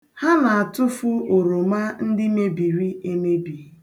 Ha na-atụfu oroma ndị mebiri emebi.